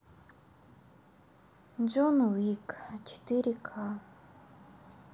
джон уик четыре к